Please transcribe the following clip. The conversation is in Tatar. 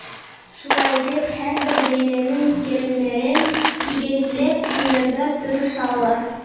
Шулай итеп, һәрбер гаиләнең керемнәрен тигезләп куярга тырышалар.